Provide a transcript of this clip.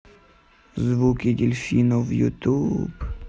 звуки дельфинов ютуб